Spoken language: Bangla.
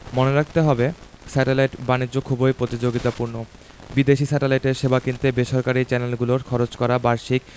মনে রাখতে হবে স্যাটেলাইট বাণিজ্য খুবই প্রতিযোগিতাপূর্ণ বিদেশি স্যাটেলাইটের সেবা কিনতে বেসরকারি চ্যানেলগুলোর খরচ করা বার্ষিক